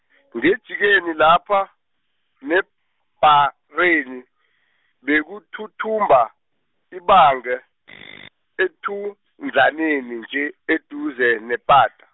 ngejikeni lapha, nebhareni, bekuthuthumba, ibange , ethunzaneni nje, eduze nepata.